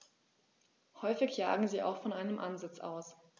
Häufig jagen sie auch von einem Ansitz aus.